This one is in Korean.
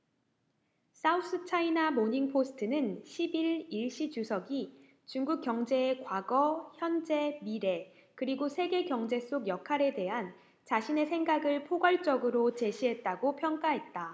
사우스차이나모닝포스트는 십 일 일 시 주석이 중국 경제의 과거 현재 미래 그리고 세계경제 속 역할에 대한 자신의 생각을 포괄적으로 제시했다고 평가했다